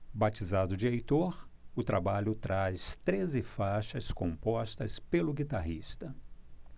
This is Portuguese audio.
batizado de heitor o trabalho traz treze faixas compostas pelo guitarrista